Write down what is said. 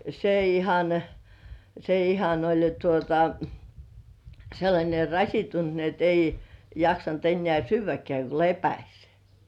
se ihan se ihan oli jo tuota sellainen rasittunut niin että ei jaksanut enää syödäkään kun lepäsi